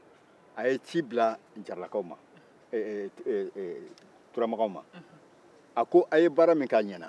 a ko a' ye baara min kɛ a ɲana ne yɛrɛ ye muso furu aw ka kabila kɔnɔ